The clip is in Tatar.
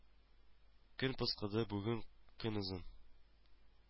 Көн пыскыды бүген көнозын